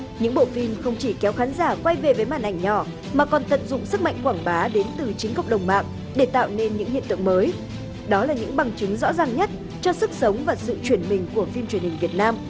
những bộ phim không chỉ kéo khán giả quay về với màn ảnh nhỏ mà còn tận dụng sức mạnh quảng bá đến từ chính cộng đồng mạng để tạo nên những hiện tượng mới đó là những bằng chứng rõ ràng nhất cho sức sống và sự chuyển mình của phim truyền hình việt nam